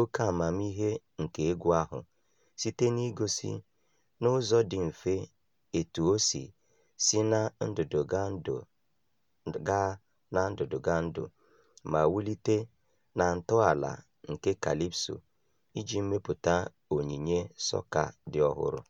oke amamihe nke egwu ahụ site n'igosi n'ụzọ dị mfe etu o si si na ndụdụgandụ gaa na ndụdụgandụ ma wulite na ntọala nke kalịpso iji mepụta onyinye sọka dị ọhụrụ.